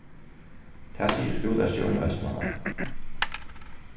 tað sigur skúlastjórin í vestmanna